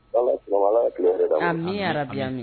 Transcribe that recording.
Ni Ala sɔn na a ma Ala ka tile hɛra d'an ma, Amina yarabi.